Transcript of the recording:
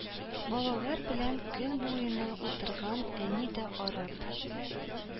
Балалар белән көн буена утырган әни дә арып